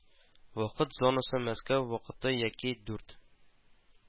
Вакыт зонасы Мәскәү вакыты яки дүрт